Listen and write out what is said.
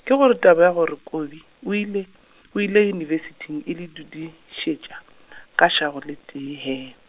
ke gore taba ya gore Kobi, o ile, o ile yunibesithing e le dudišitše, ka swago le tee he.